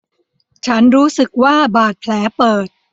ฉันรู้สึกว่าบาดแผลเปิด